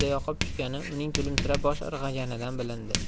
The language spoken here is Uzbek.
yoqib tushgani uning kulimsirab bosh irg'aganidan bilindi